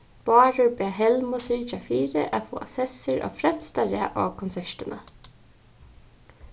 bárður bað helmu syrgja fyri at fáa sessir á fremsta rað á konsertini